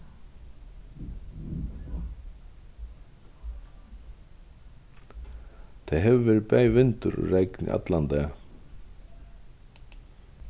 tað hevur verið bæði vindur og regn í allan dag